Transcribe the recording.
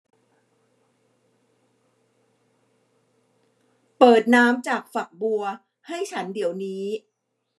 เปิดน้ำจากฝักบัวให้ฉันเดี๋ยวนี้